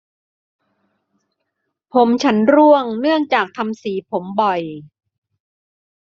ผมฉันร่วงเนื่องจากทำสีผมบ่อย